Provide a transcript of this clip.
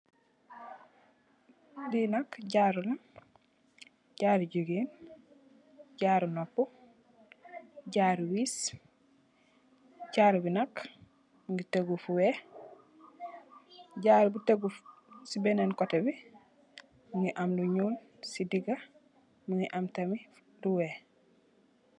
Lii nak jarula jaru gigeen jaru noppu jaru wiss jarubi nak mungi tegu Fu wekh jaru bu tegu fu wekh si benen koteh bi mungi am lu nyul si diga mungi am tamit lu wekh.